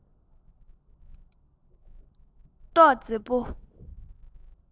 མེ ཏོག མཛེས པོ